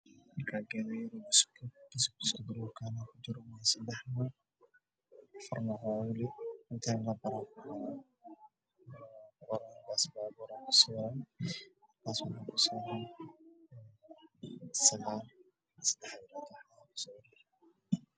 Xuseen oo meel walba waxay siinayo alaaba jiinga waxaana meesha waxaa yaalo warqad igu qoran tahay labo boqol ikontonkii kg